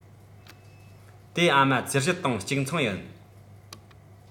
དེ ཨ མ ཚེ སྐྱིད དང གཅིག མཚུངས ཡིན